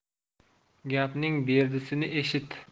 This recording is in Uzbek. gapning berdisini eshit